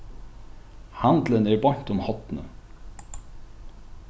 handilin er beint um hornið